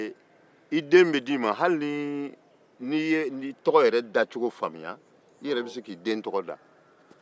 i yɛrɛ bɛ se k'i den tɔgɔ da